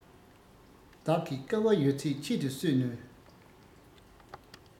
བདག གིས དཀའ བ ཡོད ཚད ཁྱད དུ གསོད ནུས